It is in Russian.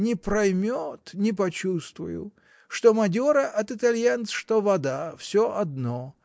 не проймет, не почувствую: что мадера от итальянца, что вода — всё одно!